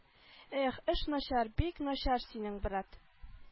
Эх эш начар бик начар синең брат